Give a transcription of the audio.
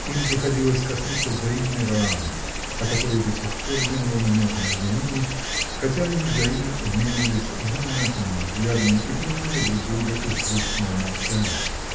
Им приходилось коснуться взаимной раны, о которой до сих пор не было намека между ними, хотя они взаимно обменивались знаменательными взглядами и понимали друг друга из грустного молчания.